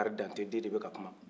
bakari dante den de bɛ ka kuma